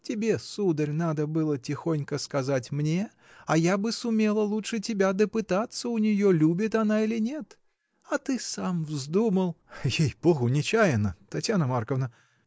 — Тебе, сударь, надо было тихонько сказать мне, а я бы сумела лучше тебя допытаться у нее, любит она или нет? А ты сам вздумал. — Ей-богу, нечаянно. Татьяна Марковна.